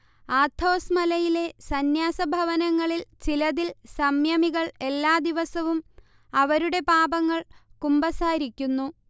Athos മലയിലെ സന്യാസഭവനങ്ങളിൽ ചിലതിൽ സംയമികൾ എല്ലാ ദിവസവും അവരുടെ പാപങ്ങൾ കുമ്പസാരിക്കുന്നു